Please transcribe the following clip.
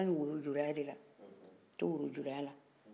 ale tun bɛ woro julaya de la a y'i to woro julaya la